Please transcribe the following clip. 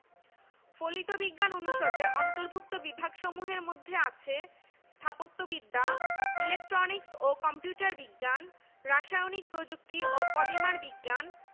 এবং এর ভৌত সুবিধাদি ৩১০ একর পরিমাণ এলাকা নিয়ে বিস্তৃত বিশ্ববিদ্যালয়টি ১৪ ফেব্রুয়ারি ১৯৯১ সালে পদার্থ বিজ্ঞান